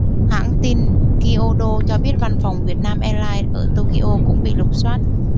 hãng tin kyodo cho biết văn phòng của vietnam airlines ở tokyo cũng bị lục soát